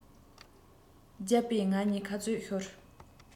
བརྒྱབ པས ང གཉིས ཁ རྩོད ཤོར